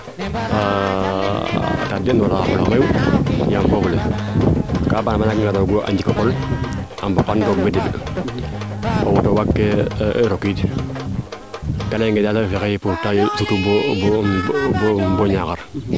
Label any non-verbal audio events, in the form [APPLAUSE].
[UNINTELLIGIBLE] yaam o fogole kaa mbiya a njik xa qol a mbopa nel o ten o auto waag ke o rokiid te leyele fata fexey baaa sutu bo Niakhar